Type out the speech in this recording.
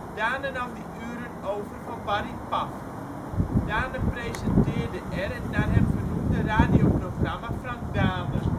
Dane nam die uren over van Barry Paf. Dane presenteerde er het naar hem vernoemde radioprogramma Frank Dane